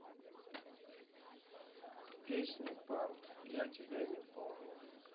песня панк я тебя не помню